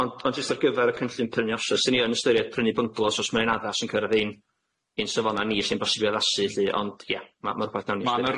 Ond ond jyst ar gyfer y cynllun prynu i osod 'swn i yn ystyried prynu bynglos os ma'n addas yn cyrradd ein ein safonna ni lle'n bosib i addasu felly ond ia ma' ma' rwbath nawn ni ystyried.